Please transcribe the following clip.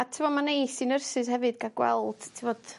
A t'mo' ma'n neis i nyrsys hefyd ca' gweld t'bod